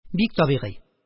Бик табигый